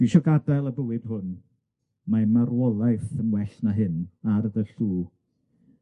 Dwi isio gadael y bywyd hwn, mae marwolaeth yn well na hyn, ar fy llw.